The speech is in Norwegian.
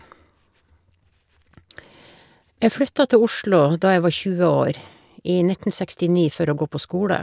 Jeg flytta til Oslo da jeg var tjue år, i nitten sekstini, for å gå på skole.